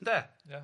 ynde? Ia.